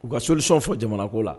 U ka solisi fɔ jamanako la